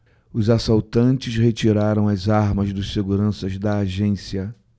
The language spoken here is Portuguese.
os assaltantes retiraram as armas dos seguranças da agência